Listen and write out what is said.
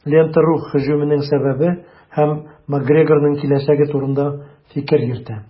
"лента.ру" һөҗүмнең сәбәбе һәм макгрегорның киләчәге турында фикер йөртә.